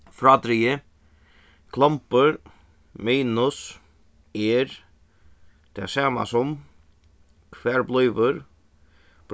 frádrigið klombur minus er tað sama sum hvar blívur